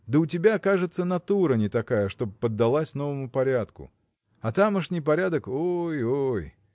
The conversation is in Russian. да у тебя, кажется, натура не такая, чтоб поддалась новому порядку а тамошний порядок – ой, ой!